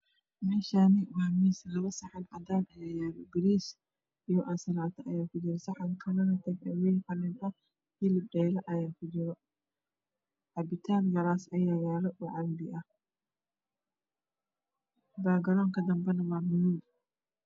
Meshani waa miis laba saxan cadan ayaa yalo waxaa ku jira bariis iyo an salato ayaa ku jira saxan kalan tag aweey hilib dheyla ayaa ku jira cabitan galas ayaa yalo oo cambiya baa garoka dembana macuin